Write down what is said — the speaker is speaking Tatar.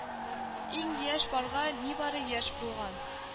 Иң яшь парга нибары яшь булган